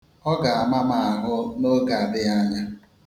Ọ ga-ama m ahụ n'oge adịghị anya.